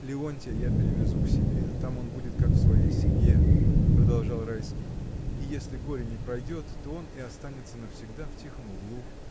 — Леонтья я перевезу к себе: там он будет как в своей семье, — продолжал Райский, — и если горе не пройдет, то он и останется навсегда в тихом углу.